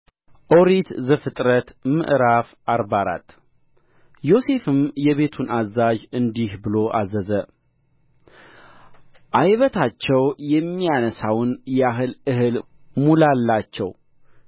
ኦሪት ዘፍጥረት ምዕራፍ አርባ አራት ዮሴፍም የቤቱን አዛዥ እንዲህ ብሎ አዘዘ ዓይበታቸው የሚያነሣውን ያህል እህል ሙላላቸው